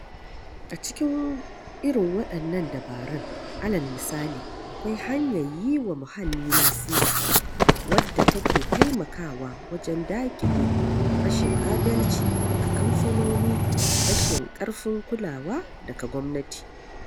[A cikin irin waɗannan dabarun], alal misali, akwai hanyar yi wa muhalli lasisi, [wadda take taimakawa wajen daƙile] rashin adalci daga kamfanoni da rashin ƙarfin kulawa daga gwamnati.